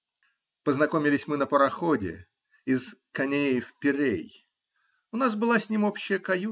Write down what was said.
Познакомились мы на пароходе из Канеи в Пирей. У нас была с ним общая каюта.